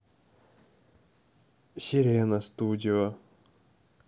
сирена студио